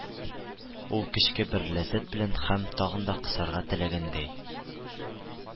Ул, эчке бер ләззәт белән һәм, тагын да кысарга теләгәндәй,